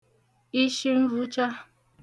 ishinvụcha